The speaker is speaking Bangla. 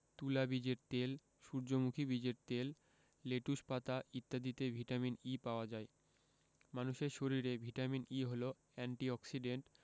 তুলা বীজের তেল সূর্যমুখী বীজের তেল লেটুস পাতা ইত্যাদিতে ভিটামিন E পাওয়া যায় মানুষের শরীরে ভিটামিন E হলো এন্টি অক্সিডেন্ট